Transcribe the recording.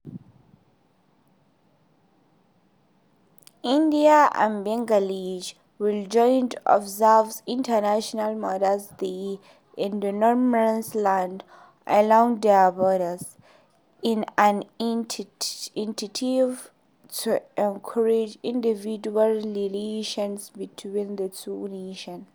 India and Bangladesh will jointly observe International Mother Language Day in the no-man's-land along their borders, in an initiative to encourage individual relations between the two nations.